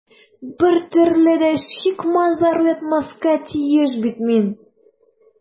Бер төрле дә шик-мазар уятмаска тиеш бит мин...